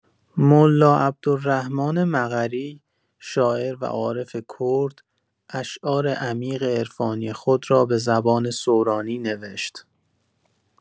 ملا عبدالرحمان مقری، شاعر و عارف کرد، اشعار عمیق عرفانی خود را به زبان سورانی نوشت.